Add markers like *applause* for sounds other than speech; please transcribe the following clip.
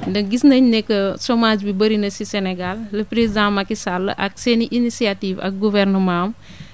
*noise* ndax gis nañ ni que chomage bi bëri na si Sénégal le président Macky Sall ak seen i initiatives ak gouvernement am